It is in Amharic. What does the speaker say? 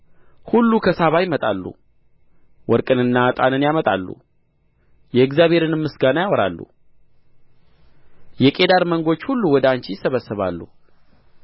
ሁሉ ከሳባ ይመጣሉ ወርቅንና ዕጣንን ያመጣሉ የእግዚአብሔርንም ምስጋና ያወራሉ የቄዳር መንጎች ሁሉ ወደ አንቺ ይሰበሰባሉ